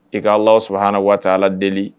I ka Alahu subehana wa ta ala deli